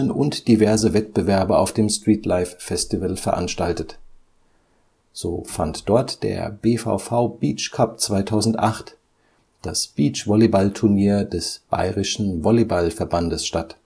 und diverse Wettbewerbe auf dem Streetlife Festival veranstaltet. So fand dort der BVV-Beach-Cup 2008, das Beachvolleyballturnier des Bayerischen Volleyball-Verbands, statt